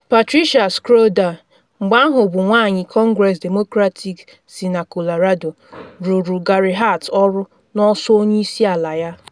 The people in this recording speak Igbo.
Patricia Schroeder, mgbe ahụ bụ nwanyị kọngress Demokrat si na Colorado, rụụrụ Gary Hart ọrụ n’ọsọ onye isi ala ya.